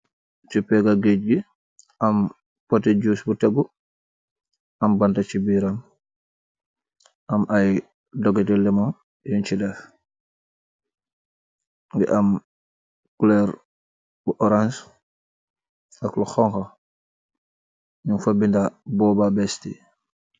Ci pegga gaj gi am poti jius bu teggu , am banta ci buram , am ay dogeti lemon yun ci def, yu ngi am clare bu orange ak lu xonxo , ñu fa binda booba beest yi.